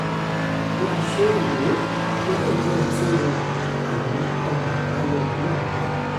Bí a ṣe ń wò ó, kò ní jẹ́ ohun tí ó rọrùn, àmọ́ ọ̀nà àbáyọ mìíràn ń bẹ.